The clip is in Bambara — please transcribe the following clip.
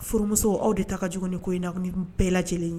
Furumuso aw de ta ka juguni ko in na ko ni bɛɛ lajɛlen ye